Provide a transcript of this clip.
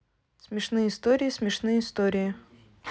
смешные истории смешные истории